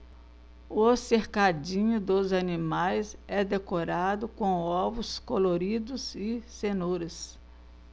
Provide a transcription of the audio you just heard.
o cercadinho dos animais é decorado com ovos coloridos e cenouras